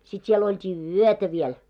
sitten siellä oltiin yötä vielä